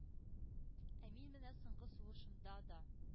Ә мин менә соңгы сулышымда да